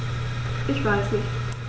Ich weiß nicht.